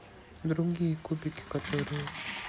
другие кубики которые